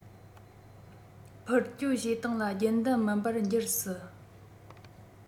འཕུར སྐྱོད བྱེད སྟངས ལ རྒྱུན ལྡན མིན པར འགྱུར སྲིད